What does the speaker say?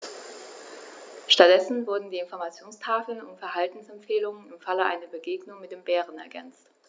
Stattdessen wurden die Informationstafeln um Verhaltensempfehlungen im Falle einer Begegnung mit dem Bären ergänzt.